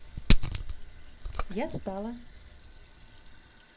я стала